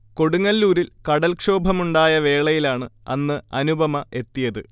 കൊടുങ്ങല്ലൂരിൽ കടൽക്ഷോഭമുണ്ടായ വേളയിലാണ് അന്ന് അനുപമ എത്തിയത്